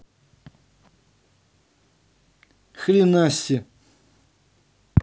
хренассе